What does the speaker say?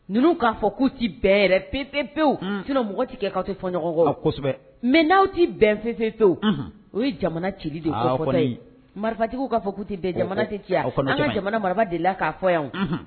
Ninnu k'a fɔ ku tɛ bɛɛ pep pe tɛna mɔgɔ tigɛkɛ' tɛ fɔ ɲɔgɔn kosɛbɛ mɛ n'aw tɛ bɛnfese pe o ye jamana ci don ye marifajugu k'a ku ti bɛn jamana tɛ ci yan jamana mara de la k'a fɔ yan